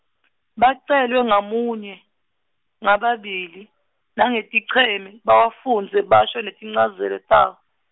Bacelwe ngamunye, ngababili , nangeticheme, bawafundze basho netinchazelo tawo.